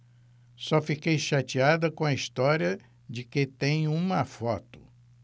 só fiquei chateada com a história de que tem uma foto